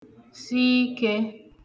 si ikē